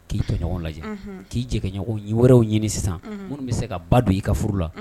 K'i tɔɲɔgɔn lajɛ t'i jɛɲɔgɔn wɛrɛw ɲini sisan minnu bɛ se ka ba don i ka furu la